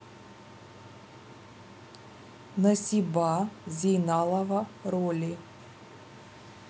насиба зейналова роли